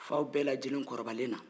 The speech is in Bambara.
faw bɛɛ lajɛlen kɔrɔbalen na